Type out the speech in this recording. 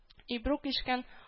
Ибрук ишкән